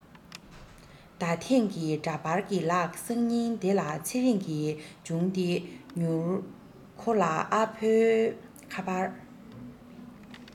ད ཐེངས ཀྱི འདྲ པར གྱི ལག སང ཉིན དེ ལ ཚེ རིང གི བྱང དེ མྱུར ཁོ ལ ཨ ཕའི ཁ པར